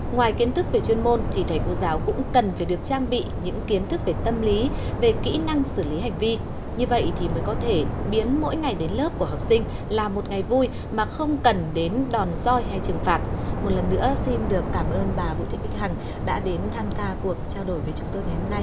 ngoài kiến thức về chuyên môn thì thầy cô giáo cũng cần phải được trang bị những kiến thức về tâm lý về kỹ năng xử lý hành vi như vậy thì mới có thể biến mỗi ngày đến lớp của học sinh là một ngày vui mà không cần đến đòn roi hay trừng phạt một lần nữa xin được cảm ơn bà vũ thị bích hằng đã đến tham gia cuộc trao đổi với chúng tôi ngày hôm nay